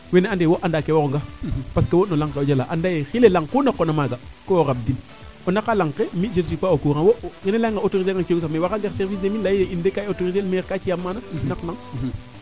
wene ande wo anda kee waroonga parce que wo no laŋ ke a jala anda ye xile laŋ ku naqoona maaga ko waro rab din o naqa laŋ ke mi je suis pas au courant wene leyanga autoriser a kene sax wo wara gar service des mines leyee in de kaa autoriser el maire kaa ci'am mana im naq laŋ